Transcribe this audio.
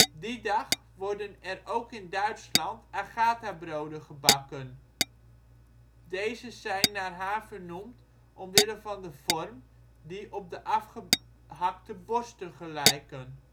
Die dag worden er ook in Duitsland Agathabroden (Agathabrötchen) gebakken, deze zijn naar haar vernoemd omwille van de vorm die op (de afgehakte) borsten gelijken